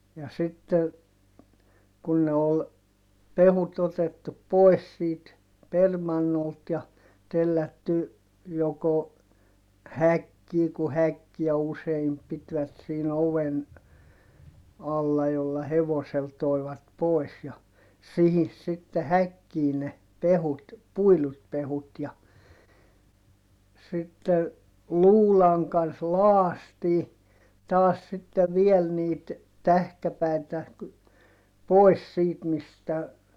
ja sitten kun ne oli pehkut otettu pois siitä permannolta ja tellätty joko häkkiin kun häkkiä usein pitivät siinä oven alla jolla hevosella toivat pois ja siihen sitten häkkiin ne pehkut puidut pehkut ja sitten luudan kanssa lakaistiin taas sitten vielä niitä tähkäpäitä pois siitä mistä